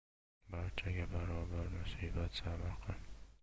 barchaga barobar musibat sabr qil